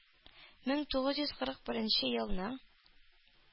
Мең тугыз йөз кырык беренче елның